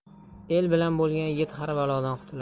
el bilan bo'lgan yigit har balodan qutular